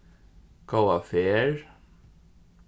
góða ferð